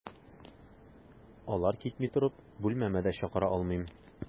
Алар китми торып, бүлмәмә дә чакыра алмыйм.